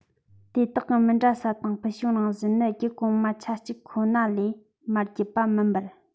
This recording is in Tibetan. དེ དག གི མི འདྲ ས དང ཕུལ བྱུང རང བཞིན ནི རྒྱུད གོང མ ཆ གཅིག ཁོ ན ལས མར བརྒྱུད པ མིན པར